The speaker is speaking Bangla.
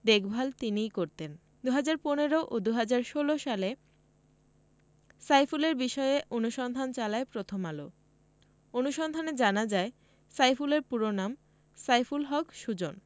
দেখভাল তিনিই করতেন ২০১৫ ও ২০১৬ সালে সাইফুলের বিষয়ে অনুসন্ধান চালায় প্রথম আলো অনুসন্ধানে জানা যায় সাইফুলের পুরো নাম সাইফুল হক সুজন